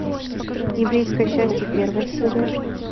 еврейское счастье первая серия